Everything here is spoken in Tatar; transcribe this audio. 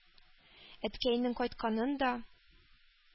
Әткәйнең кайтканын да,